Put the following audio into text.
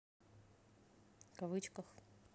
кавычках